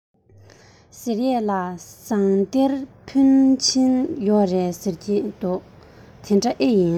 ཟེར ཡས ལ ཟངས གཏེར འཕོན ཆེན ཡོད རེད ཟེར གྱིས དེ འདྲ ཨེ ཡིན